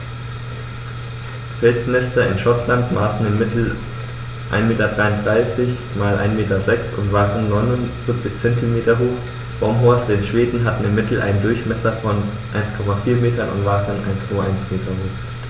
Felsnester in Schottland maßen im Mittel 1,33 m x 1,06 m und waren 0,79 m hoch, Baumhorste in Schweden hatten im Mittel einen Durchmesser von 1,4 m und waren 1,1 m hoch.